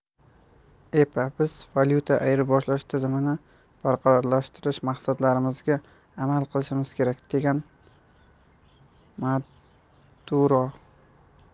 epa biz valyuta ayirboshlash tizimini barqarorlashtirish maqsadlarimizga amal qilishimiz kerak degan maduro